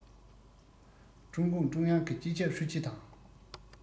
ཀྲུང གུང ཀྲུང དབྱང གི སྤྱི ཁྱབ ཧྲུའུ ཅི དང